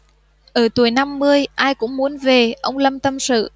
ở tuổi năm mươi ai cũng muốn về ông lâm tâm sự